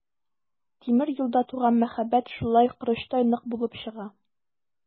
Тимер юлда туган мәхәббәт шулай корычтай нык булып чыга.